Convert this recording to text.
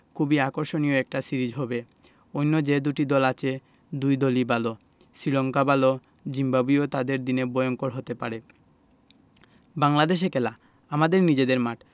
খুবই আকর্ষণীয় একটা সিরিজ হবে অন্য যে দুটি দল আছে দুই দলই ভালো শ্রীলঙ্কা ভালো জিম্বাবুয়েও তাদের দিনে ভয়ংকর হতে পারে বাংলাদেশে খেলা আমাদের নিজেদের মাঠ